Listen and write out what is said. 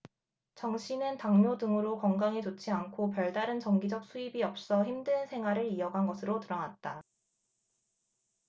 정씨는 당뇨 등으로 건강이 좋지 않고 별다른 정기적 수입이 없어 힘든 생활을 이어간 것으로 드러났다